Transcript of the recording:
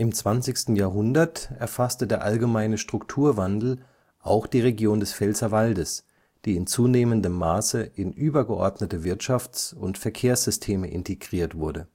20. Jahrhundert erfasste der allgemeine Strukturwandel auch die Region des Pfälzerwaldes, die in zunehmendem Maße in übergeordnete Wirtschafts - und Verkehrssysteme integriert wurde